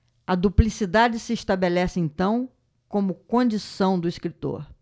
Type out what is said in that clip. a duplicidade se estabelece então como condição do escritor